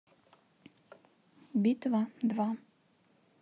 битва два